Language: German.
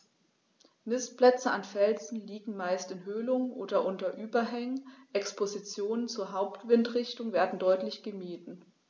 Nistplätze an Felsen liegen meist in Höhlungen oder unter Überhängen, Expositionen zur Hauptwindrichtung werden deutlich gemieden.